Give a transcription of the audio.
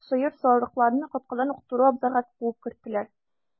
Сыер, сарыкларны капкадан ук туры абзарга куып керттеләр.